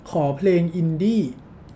ขอเพลงอินดี้